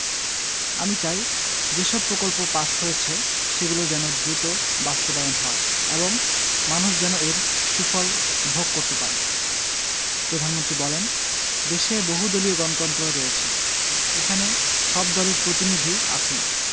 আমি চাই যেসব প্রকল্প পাস হয়েছে সেগুলো যেন দ্রুত বাস্তবায়ন হয় এবং মানুষ যেন এর সুফল ভোগ করতে পারেন প্রধানমন্ত্রী বলেন দেশে বহুদলীয় গণতন্ত্র রয়েছে এখানে সব দলের প্রতিনিধি আছেন